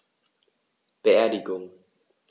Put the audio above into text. Beerdigung